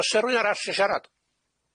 O's e rywun arall isio siarad?